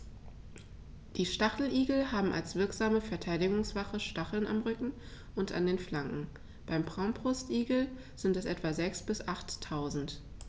Die Stacheligel haben als wirksame Verteidigungswaffe Stacheln am Rücken und an den Flanken (beim Braunbrustigel sind es etwa sechs- bis achttausend).